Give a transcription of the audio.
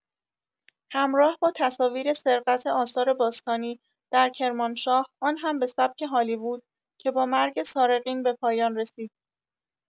همراه با تصاویر سرقت آثار باستانی در کرمانشاه آن هم به سبک هالیوود که با مرگ سارقین به پایان رسید.